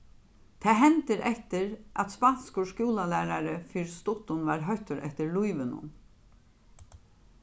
tað hendir eftir at spanskur skúlalærari fyri stuttum varð hóttur eftir lívinum